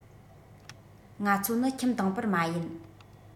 ང ཚོ ནི ཁྱིམ དང པོར མ ཡིན